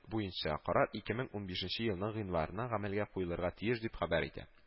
Буенча карар ике мен унбишенче елның гыйнварны гамәлгә куелырга тиеш, дип хәбәр итә